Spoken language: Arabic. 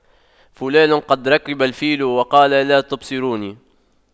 فلان قد ركب الفيل وقال لا تبصروني